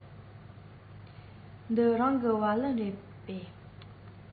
འདི རང གི སྦ ལན རེད པས